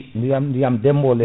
ndiyam ndiyam demɓo ɗam